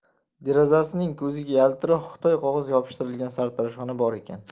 derazasining ko'ziga yaltiroq xitoy qog'oz yopishtirilgan sartaroshxona bor ekan